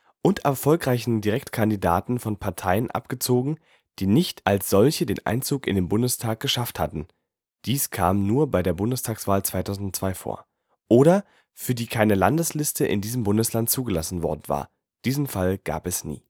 und erfolgreichen Direktkandidaten von Parteien abgezogen, die nicht als solche den Einzug in den Bundestag geschafft hatten (dies kam nur bei der Bundestagswahl 2002 vor), oder für die keine Landesliste in diesem Bundesland zugelassen worden war (diesen Fall gab es nie